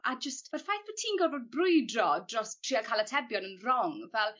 a jyst ma'r ffaith bo' ti'n gorfod brwydro dros tria ca'l atebion rong fel